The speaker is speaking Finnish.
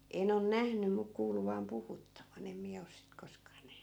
en on nähnyt mutta kuullut vain puhuttavan en minä ole sitten koskaan nähnyt